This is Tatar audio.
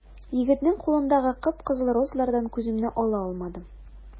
Егетнең кулындагы кып-кызыл розалардан күземне ала алмадым.